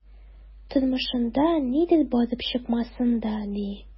Тормышында нидер барып чыкмасын да, ди...